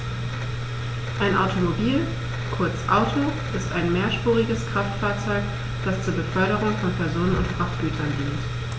Ein Automobil, kurz Auto, ist ein mehrspuriges Kraftfahrzeug, das zur Beförderung von Personen und Frachtgütern dient.